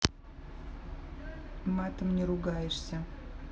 матом не ругаешься